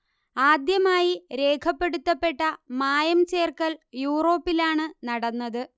ആദ്യമായി രേഖപ്പെടുത്തപ്പെട്ട മായം ചേർക്കൽ യൂറോപ്പിലാണ് നടന്നത്